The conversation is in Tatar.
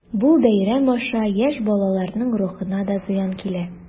Бу бәйрәм аша яшь балаларның рухына да зыян килә.